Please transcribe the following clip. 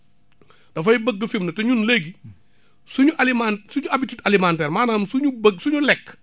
dafay bëgg fi mu ne te ñun léegi suñu alimen suñu habitude alimentaire maanaam suñu bë suñu lekk